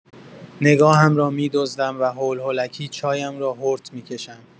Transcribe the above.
نگاهم را می‌دزدم و هول‌هولکی چایم را هورت می‌کشم.